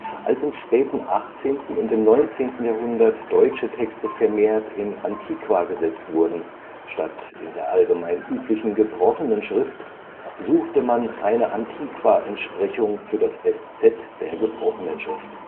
Als im späten 18. und im 19. Jahrhundert deutsche Texte vermehrt in Antiqua gesetzt wurden statt in der allgemein üblichen gebrochenen Schrift, suchte man eine Antiqua-Entsprechung für das Eszett der gebrochenen Schrift